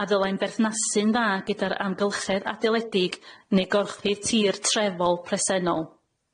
a ddylai'n berthnasu'n dda gyda'r amgylchedd adeledig neu gorchudd tir trefol presennol.